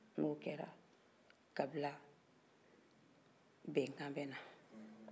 n'o kɛra kabila bɛnkan bɛna